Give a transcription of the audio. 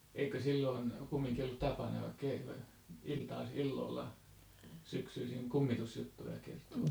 eikö silloin kumminkin ollut tapana illoilla syksyisin kummitus juttuja kertoilla